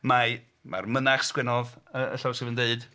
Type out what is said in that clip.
Mae, mae'r mynach sgwennodd y llawysgrif yn dweud...